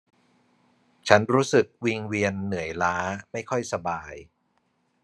ฉันรู้สึกวิงเวียนเหนื่อยล้าไม่ค่อยสบาย